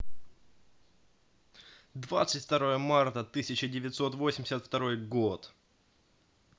двадцать второе марта тысяча девятьсот восемьдесят второй год